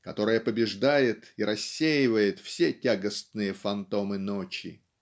которая побеждав и рассеивает все тягостные фантомы ночи.